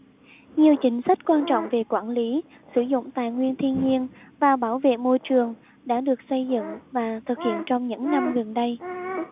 nhiều chính sách quan trọng về quản lý sử dụng tài nguyên thiên nhiên và bảo vệ môi trường đã được xây dựng và thực hiện trong những năm gần đây